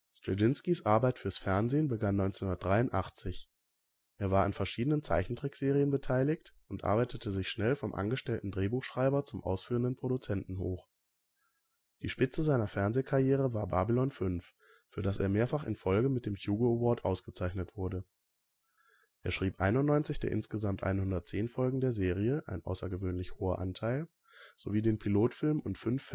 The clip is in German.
Straczynskis Arbeit fürs Fernsehen begann 1983. Er war an verschiedenen Zeichentrickserien beteiligt und arbeitete sich schnell vom angestellten Drehbuchschreiber zum ausführenden Produzenten hoch. Die Spitze seiner Fernsehkarriere war Babylon 5, für das er mehrfach in Folge mit dem Hugo Award ausgezeichnet wurde. Er schrieb 91 der insgesamt 110 Folgen der Serie (ein außergewöhnlich hoher Anteil) sowie den Pilotfilm und 5